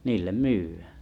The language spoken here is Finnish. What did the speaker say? niille myydään